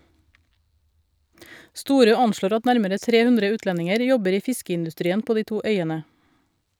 Storø anslår at nærmere 300 utlendinger jobber i fiskeindustrien på de to øyene.